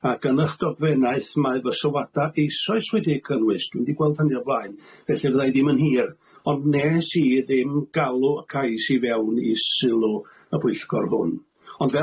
Ac yn y'ch dogfennaeth mae fy sylwada eisoes wedi'i cynnwys, dwi'm di gweld hynny o blaen felly fyddai ddim yn hir ond nes i ddim galw y cais i fewn i sylw y pwyllgor hwn.